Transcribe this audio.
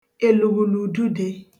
èlùghùlùdudē